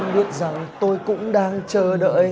biết rằng tôi cũng đang chờ đợi